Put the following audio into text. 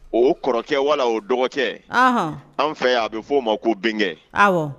O kɔrɔkɛ wala o dɔgɔkɛ an fɛ'a bɛ'o ma ko bin